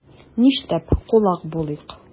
Нишләп кулак булыйк?